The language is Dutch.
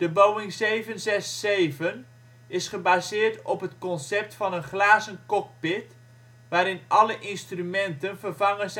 De Boeing 767 is gebaseerd op het concept van een " glazen cockpit ", waarin alle instrumenten vervangen